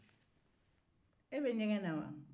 e be ɲɛgɛn na wa